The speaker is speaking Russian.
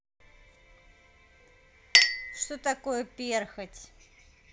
что такое перхоть